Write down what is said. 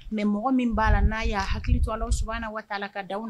Mɛ mɔgɔ min b'a la n'a y'a hakili to a la s na waa taa la ka da na